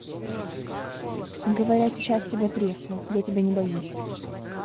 говорят сейчас тебя тресну я тебя не боюсь